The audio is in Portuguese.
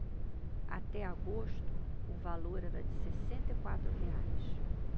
até agosto o valor era de sessenta e quatro reais